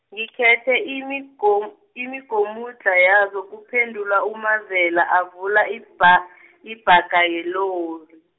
ngikhethe imigom-, imigomudlha yazo kuphendula uMavela avula ibha-, ibhaga yelori.